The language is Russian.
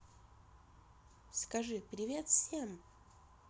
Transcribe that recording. скажи привет всем